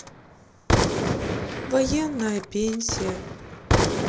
военная пенсия